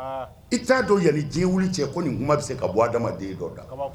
I t'a dɔn yali diɲɛ wili cɛ ko nin kuma bɛ se ka bɔ dama den dɔ da